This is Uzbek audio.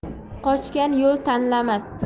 qochgan yo'l tanlamas